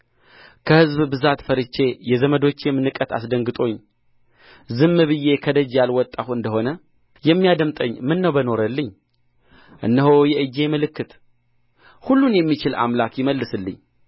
ከሕዝብ ብዛት ፈርቼ የዘመዶቼም ንቀት አስደንግጦኝ ዝም ብዬ ከደጅ ያልወጣሁ እንደ ሆነ የሚያዳምጠኝ ምነው በኖረልኝ እነሆ የእጄ ምልክት ሁሉን የሚችል አምላክ ይመልስልኝ